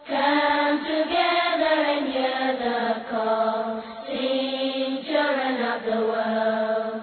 Santigɛ dentigɛ labankɔrɔ cɛ joona laban